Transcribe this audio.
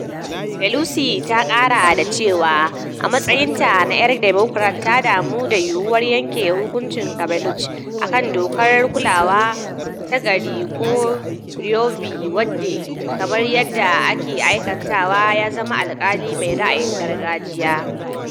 Pelosi ta kara da cewa a matsayin ta na yar Democrat ta damu da yiwuwar yanke hukuncin Kavanaugh akan Dokar Kulawa tagari ko Roe v. Wade, Kamar yadda ake alkintawa ya zama alkali mai ra’ayin gargajiya.